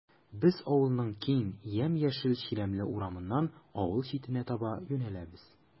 Без авылның киң, ямь-яшел чирәмле урамыннан авыл читенә таба юнәләбез.